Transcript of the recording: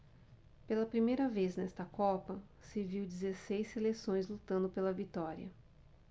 pela primeira vez nesta copa se viu dezesseis seleções lutando pela vitória